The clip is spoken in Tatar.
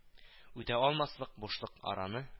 Үтә алмаслык бушлык араны